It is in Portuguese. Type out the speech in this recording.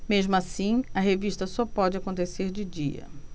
mesmo assim a revista só pode acontecer de dia